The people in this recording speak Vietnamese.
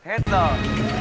hết giờ